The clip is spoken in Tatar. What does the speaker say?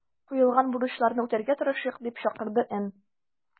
Куелган бурычларны үтәргә тырышыйк”, - дип чакырды Н.